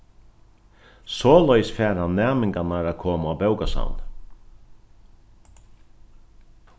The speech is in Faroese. soleiðis fær hann næmingarnar at koma á bókasavnið